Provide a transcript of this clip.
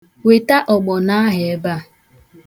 Weta ọgbọnọ ahụ ebea.